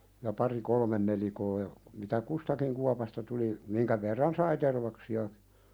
ja pari kolme nelikkoa ja mitä kustakin kuopasta tuli minkä verran sai tervaksia